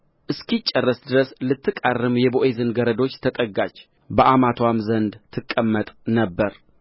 እስኪጨረስ ድረስ ልትቃርም የቦዔዝን ገረዶች ተጠጋች በአማትዋም ዘንድ ትቀመጥ ነበር